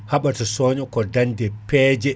haɓata soño ko dañde peeje